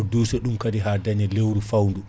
o duusa ɗum kaadi ha daaña leewru fawndu